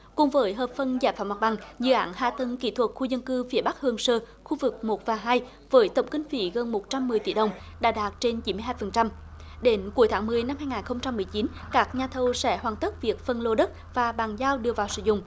cùng với hợp phần giải phóng mặt bằng dự án hạ tầng kỹ thuật khu dân cư phía bắc hương sơ khu vực một và hai với tổng kinh phí gần một trăm mười tỷ đồng đạt trên chín mươi hai phần trăm đến cuối tháng mười năm hai nghìn không trăm mười chín các nhà thầu sẽ hoàn tất việc phân lô đất và bàn giao đưa vào sử dụng